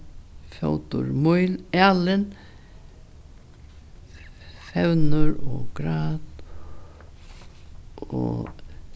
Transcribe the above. fótur míl alin og grad og